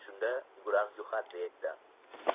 shunda guram jo'xadze aytdi